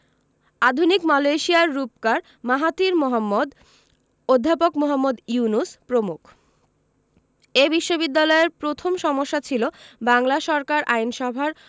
আধুনিক মালয়েশিয়ার রূপকার মাহাথির মোহাম্মদ অধ্যাপক মুহম্মদ ইউনুস প্রমুখ এ বিশ্ববিদ্যালয়ের প্রথম সমস্যা ছিল বাংলা সরকার আইনসভার